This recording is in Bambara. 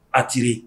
Ati